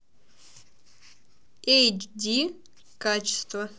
эйчди качество